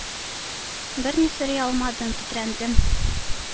Берни сорый алмадым – тетрәндем,